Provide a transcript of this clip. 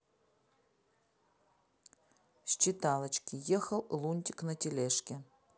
считалочки ехал лунтик на тележке